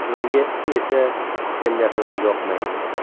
menga esa sendaqalar yoqmaydi